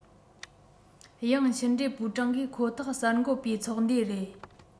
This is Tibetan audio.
དབྱང ཕྱི འབྲེལ པུའུ ཀྲང གིས ཁོ ཐག གསར འགོད པའི ཚོགས འདུའི རེད